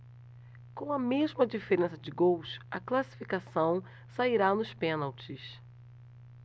com a mesma diferença de gols a classificação sairá nos pênaltis